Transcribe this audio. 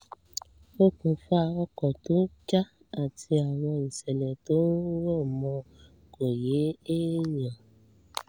Okùnfà ọkọ̀ tó jà àti àwọn iṣẹ̀lẹ̀ tó ń rọ̀ mọ̀ kó yẹ́ èèyàn.